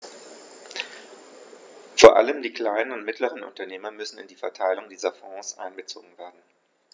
Vor allem die kleinen und mittleren Unternehmer müssen in die Verteilung dieser Fonds einbezogen werden.